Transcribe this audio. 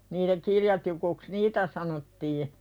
niitä kirjatikuiksi niitä sanottiin